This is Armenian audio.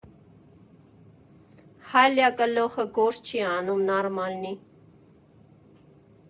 Հալյա կլօխը գործ չի անում նարմալնի։